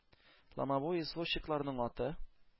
Ломовой извозчикларның аты